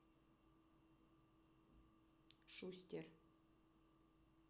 шустер